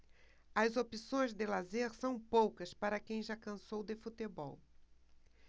as opções de lazer são poucas para quem já cansou de futebol